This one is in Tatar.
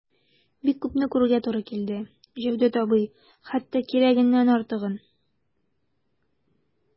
Бик күпне күрергә туры килде, Җәүдәт абый, хәтта кирәгеннән артыгын...